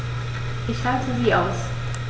Ich schalte sie aus.